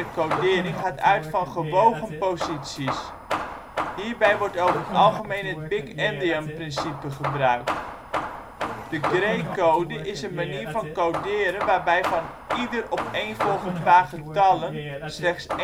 codering gaat uit van " gewogen " posities. Hierbij wordt over het algemeen het ' Big-endian ' principe gebruikt, zie Endianness. De Gray-code is een manier van coderen waarbij van ieder opeenvolgend paar getallen slechts